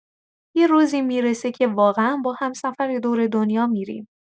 یه روزی می‌رسه که واقعا با هم‌سفر دور دنیا می‌ریم!